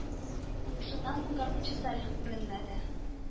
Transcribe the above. Шуннан соң гармунчы Салих күренмәде